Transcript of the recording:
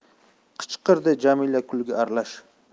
qichqirdi jamila kulgi aralash